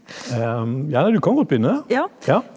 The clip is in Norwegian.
ja nei du kan godt begynne ja.